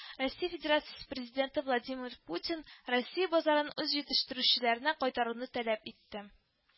Россия Федерациясе Президенты Владимир Путин Россия базарын үз җитештерүчеләренә кайтаруны таләп итте